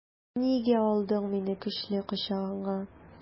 Нигә алдың мине көчле кочагыңа?